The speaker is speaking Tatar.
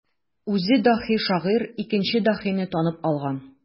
Үзе даһи шагыйрь икенче даһине танып алган.